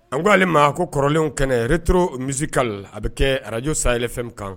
An ko aleale ma ko kɔrɔlenw kɛnɛ reto misika la a bɛ kɛ arajo sanyɛlɛfɛn kan